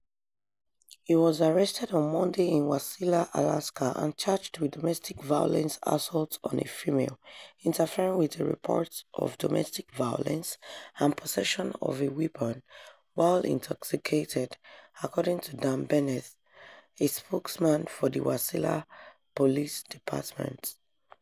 He was arrested on Monday in Wasilla, Alaska, and charged with domestic violence assault on a female, interfering with a report of domestic violence and possession of a weapon while intoxicated, according to Dan Bennett, a spokesman for the Wasilla Police Department.